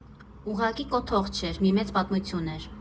«Ուղղակի կոթող չէր, մի մեծ պատմություն էր»